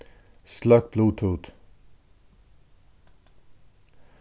sløkk bluetooth